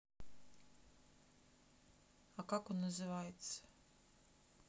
а как он называется